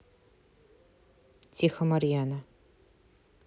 тихо марьяна